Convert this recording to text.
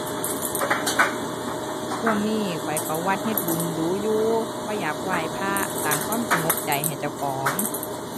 ช่วงนี้ข้อยเข้าวัดเฮ็ดบุญดู๋อยู่ เพราะอยากไหว้พระ สร้างความสงบใจให้เจ้าของ